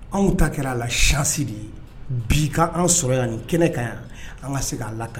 Anw ta kɛr'a la chance de ye bi ka anw sɔrɔ yan ni kɛnɛ kan yan an' ŋa se k'a la ka